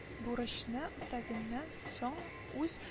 Бурычны утәгәннән соң үз